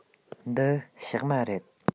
འདི ཕྱགས མ རེད